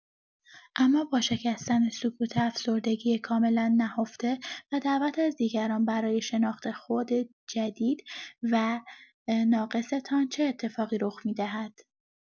اما با شکستن سکوت افسردگی کاملا نهفته و دعوت از دیگران برای شناخت خود جدید و ناقصتان چه اتفاقی رخ می‌دهد؟